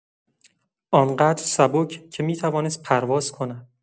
آن‌قدر سبک که می‌توانست پرواز کند.